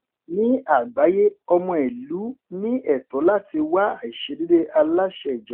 Ní àgbáyé, ọmọ-ìlú ní ẹ̀tọ́ láti wá àìṣedéédé aláṣẹ ìjọba.